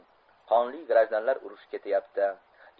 qonli grajdanlar urushi ketyapti